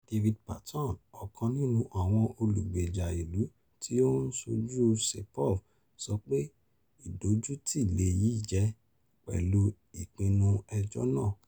David Patton, ọ̀kan nínú àwọn olúgbèjà ìlú tí ó ń ṣojú Saipov, sọ pé "ìdójútì lèyí jẹ́" pẹ̀lú ìpinnu ẹjọ́ náà.